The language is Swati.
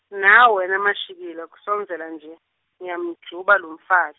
nawe wena Mashikila, kusondzela nje, ngiyamjuba lomfat-.